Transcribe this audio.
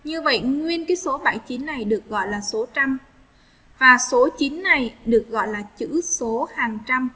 như vậy nguyên cái số này được gọi là số chăm là số ngày được gọi là chữ số hàng trăm